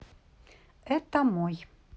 это мой